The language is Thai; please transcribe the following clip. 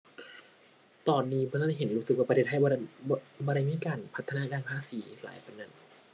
ตอนนี้บ่ทันเห็นรู้สึกว่าประเทศไทยบ่ได้ บ่ บ่ได้มีการพัฒนาด้านภาษีหลายปานนั้น